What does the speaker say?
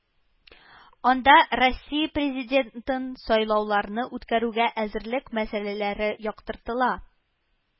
Анда Россия Президентын сайлауларны үткәрүгә әзерлек мәсьәләләре яктыртыла